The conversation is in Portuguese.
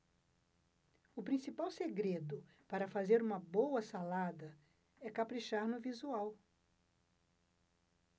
o principal segredo para fazer uma boa salada é caprichar no visual